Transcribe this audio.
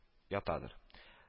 Ятадыр